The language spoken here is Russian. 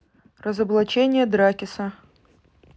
разоблачение дракиса